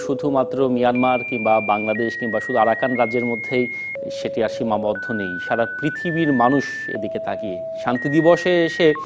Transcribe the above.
শুধুমাত্র মিয়ানমার কিংবা বাংলাদেশ কিংবা শুধু আরাকান রাজ্যের মধ্যেই সেটি আর সীমাবদ্ধ নেই সারা পৃথিবীর মানুষ এ দিকে তাকিয়ে শান্তি দিবসে এসে